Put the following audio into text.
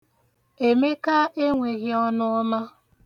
Emeka enweghị ọnụọma.